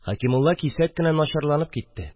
Хәкимулла кисәк кенә начарланып китте